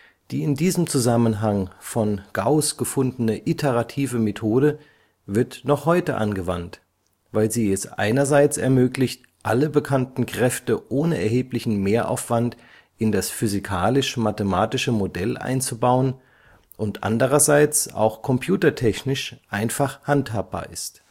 Die in diesem Zusammenhang von Gauß gefundene iterative Methode wird noch heute angewandt, weil sie es einerseits ermöglicht, alle bekannten Kräfte ohne erheblichen Mehraufwand in das physikalisch-mathematische Modell einzubauen, und andererseits auch computertechnisch einfach handhabbar ist